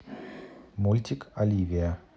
мультик оливия